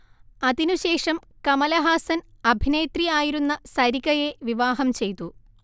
അതിനുശേഷം കമലഹാസൻ അഭിനേത്രി ആയിരുന്ന സരികയെ വിവാഹം ചെയ്തു